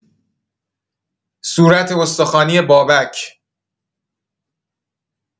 صورت استخوانی بابک